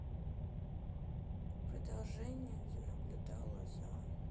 продолжение где наблюдала за